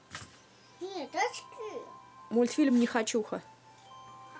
мультфильм нехочуха